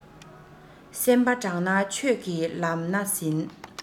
སེམས པ དྲང ན ཆོས ཀྱི ལམ སྣ ཟིན